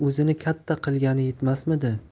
o'zini katta qilgani yetmasmidi